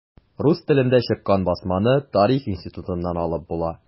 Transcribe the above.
Рус телендә чыккан басманы Тарих институтыннан алып була.